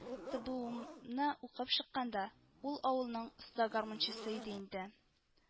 ТэБэУМны укып чыкканда, ул авылның оста гармунчысы иде инде